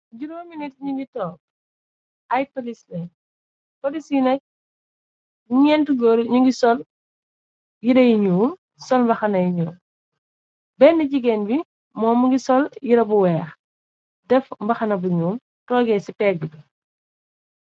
Juroomi nitt nyungi toog ay police len police yi nak ñeent goor nyungi sol yere yi ñuul sol mbaxana yu ñuul bena jigeen bi moom mongi sol yere bu weex def mbaxana bu ñuul togee ci pegg bi.